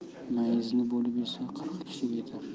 mayizni bo'lib yesa qirq kishiga yetar